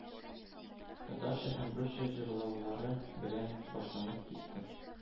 Татарча һәм русча җырлаулары белән башланып китте